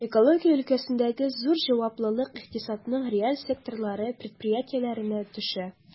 Экология өлкәсендәге зур җаваплылык икътисадның реаль секторлары предприятиеләренә төшә.